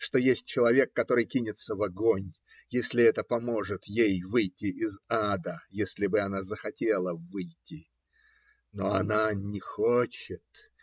Что есть человек, который кинется в огонь, если это поможет ей выйти из ада, если бы она захотела выйти? Но она не хочет.